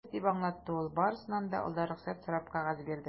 Без, - дип аңлатты ул, - барысыннан алда рөхсәт сорап кәгазь бирдек.